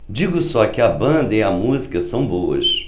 digo só que a banda e a música são boas